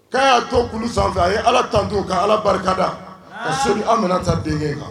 ' y'a to kulu sanfɛ a ye ala kan ka ala barikada se an minɛn denkɛ kan